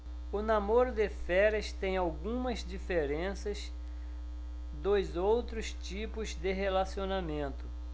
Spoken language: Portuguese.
o namoro de férias tem algumas diferenças dos outros tipos de relacionamento